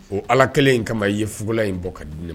O Ala kɛlen in kama i ye fugula in bɔ ka